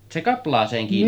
se kaplaaseen kiinni